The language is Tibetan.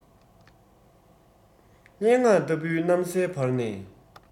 སྙན ངག ལྟ བུའི གནམ སའི བར ནས